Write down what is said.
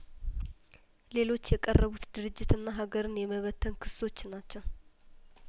ሌሎች የቀረቡት ድርጅትና ሀገርን የመበተን ክሶች ናቸው